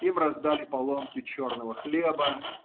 им раздали по ломтю черного хлеба.